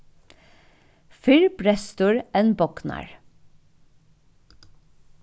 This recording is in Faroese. fyrr brestur enn bognar